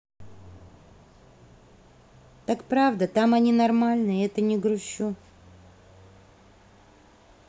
так правда там они нормальные это не грущу